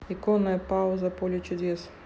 иконная пауза поле чудес